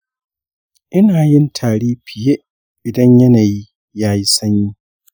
ina yin tari fiye idan yanayin ya yi sanyi.